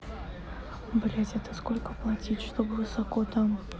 блядь это сколько платить чтобы высоко там